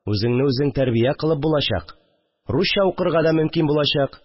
Үзеңне үзең тәрбия кылып булачак, русча укырга да мөмкин булачак